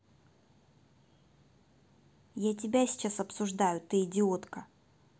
я тебя сейчас обсуждают ты идиотка